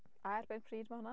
A erbyn pryd mae hwnna?